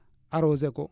arroser ko